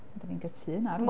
Dan ni'n gytûn ar hynna.